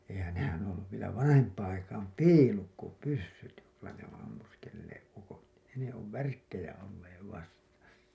eihän nehän on ollut vielä vanhempaan aikaan piilukkopyssyt joilla ne on ammuskelleet ukot ne ne on värkkejä olleet vasta